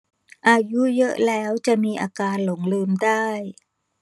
อายุเยอะแล้วจะมีอาการหลงลืมได้